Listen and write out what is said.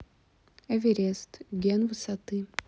эверест ген высоты